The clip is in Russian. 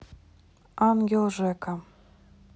ангел жека